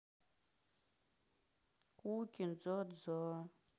ку кин дза дза